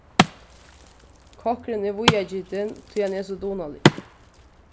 kokkurin er víðagitin tí hann er so dugnaligur